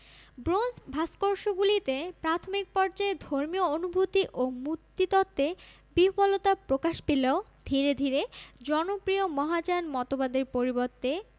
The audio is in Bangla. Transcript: ব্রোঞ্জ ভাস্কর্যগুলিতে প্রাথমিক পর্যায়ে ধর্মীয় অনুভূতি ও মূর্তিতত্ত্বে বিহ্বলতা প্রকাশ পেলেও ধীরে ধীরে জনপ্রিয় মহাযান মতবাদের পরিবর্তে